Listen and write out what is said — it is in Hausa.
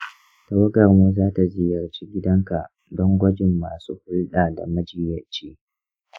tawagarmu za ta ziyarci gidanka don gwajin masu hulɗa da majiyyaci.